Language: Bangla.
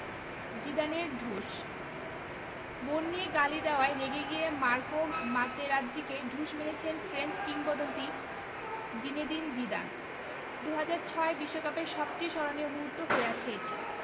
জিদানের ঢুস বোন নিয়ে গালি দেওয়ায় রেগে গিয়ে মার্কো মাতেরাজ্জিকে ঢুস মেরেছেন ফ্রেঞ্চ কিংবদন্তি জিনেদিন জিদান ২০০৬ বিশ্বকাপের সবচেয়ে স্মরণীয় মুহূর্ত হয়ে আছে এটি